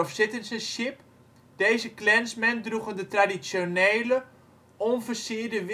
Citizenship. Deze Klansmen droegen de traditionele onversierde